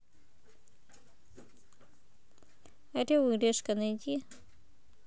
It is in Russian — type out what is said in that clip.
орел и решка найти